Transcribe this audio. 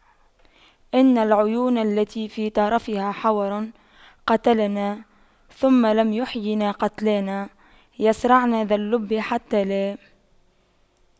إن العيون التي في طرفها حور قتلننا ثم لم يحيين قتلانا يَصرَعْنَ ذا اللب حتى لا